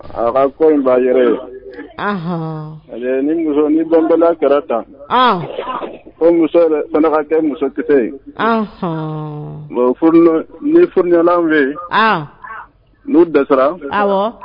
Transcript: Araba ko in b'a yɛrɛ ye ni bɔnla kɛra ta ko muso yɛrɛ fana kɛ musokisɛ ye bon furu ni f furulan fɛ yen n'u dɛsɛsira